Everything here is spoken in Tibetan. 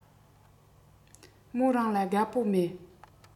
མོ རང ལ དགའ པོ མེད